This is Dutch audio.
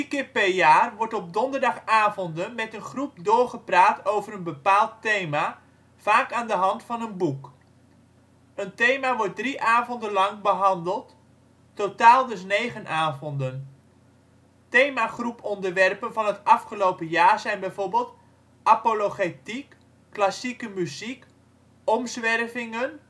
keer per jaar wordt op donderdagavonden met een groep doorgepraat over een bepaald thema, vaak aan de hand van een boek. Een thema wordt drie avonden lang behandeld, totaal dus negen avonden. Themagroeponderwerpen van het afgelopen jaar zijn bijvoorbeeld: Apologetiek, Klassieke muziek, Omzwervingen